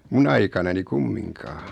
minun aikanani kumminkaan